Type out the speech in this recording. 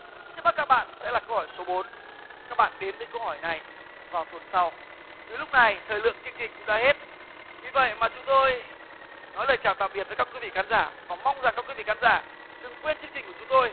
trước mắt các bạn sẽ là câu hỏi số bốn các bạn đến với câu hỏi này vào tuần sau vì lúc này thời lượng chương trình cũng đã hết vì vậy mà chúng tôi nói lời chào tạm biệt với các quý vị khán giả và mong rằng các quý vị khán giả đừng quên chương trình của chúng tôi